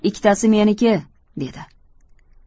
ikkitasi meniki dedi